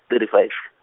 thirty five.